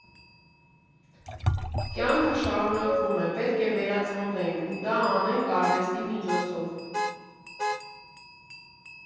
Կյանքը շարունակվում է, պետք է վերածնվենք ու դա անենք արվեստի միջոցով»։